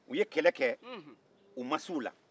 u ye kɛlɛ kɛ u ma se u la